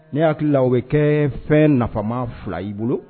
Ne hakili la u bɛ kɛ fɛn nafama fila i bolo